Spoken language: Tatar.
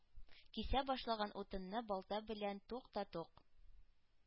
Кисә башлаган утынны балта берлән «тук» та «тук»!